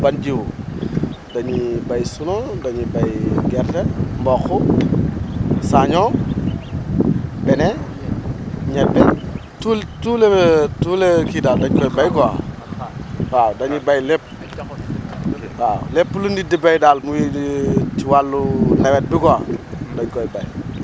ban jiwu da ñuy béy suuna da ñuy béy gerte mboq saaño ñebe tout tout le tout le kii daal da ñu koy béy quoi waaw da ñuy béy lépp waaw lépp lu nit di béy daal muy ci wàllu nawet bi quoi da ñu koy béy